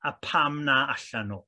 A pam na allan n'w?